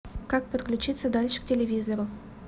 как подключиться дальше к телевизору